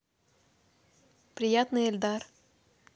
приятный эльдар